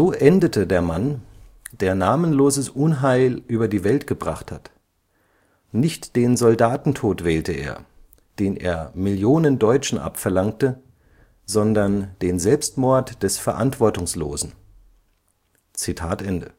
endete der Mann, der namenloses Unheil über die Welt gebracht hat. Nicht den Soldatentod wählte er, den er Millionen Deutschen abverlangte, sondern den Selbstmord des Verantwortungslosen. “Er